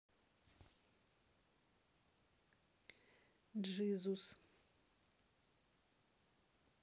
джизус